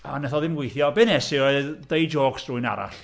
Ond wnaeth o ddim gweithio. Be wnes i oedd dweud jôcs rhywun arall.